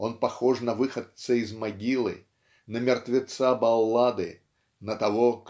он похож на выходца из могилы на мертвеца баллады на того